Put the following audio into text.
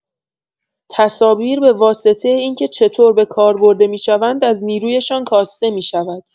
تصاویر به واسطه اینکه چطور به کار برده می‌شوند از نیرویشان کاسته می‌شود.